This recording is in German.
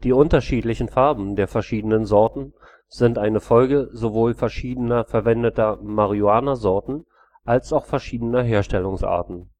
unterschiedlichen Farben der verschiedenen Sorten sind eine Folge sowohl verschiedener verwendeter Marihuanasorten als auch verschiedener Herstellungsarten